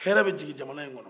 hɛrɛ bɛ jigi jamana in kɔnɔ